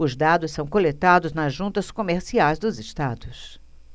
os dados são coletados nas juntas comerciais dos estados